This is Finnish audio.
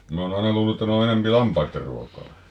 minä olen aina luullut että ne on enempi lampaiden ruokaa